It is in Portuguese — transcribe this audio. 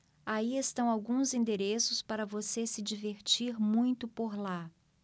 aí estão alguns endereços para você se divertir muito por lá